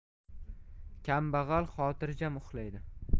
kambag'al xotirjam uxlaydi